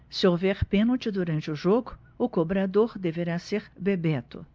se houver pênalti durante o jogo o cobrador deverá ser bebeto